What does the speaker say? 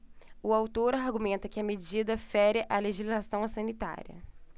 o autor argumenta que a medida fere a legislação sanitária